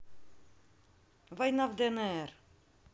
война в днр